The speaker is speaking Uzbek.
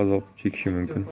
azob chekishi mumkin